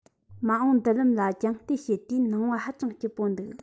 མ འོངས མདུན ལམ ལ རྒྱང བལྟས བྱེད དུས སྣང བ ཧ ཅང སྐྱིད པོ འདུག